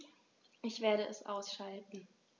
Ich werde es ausschalten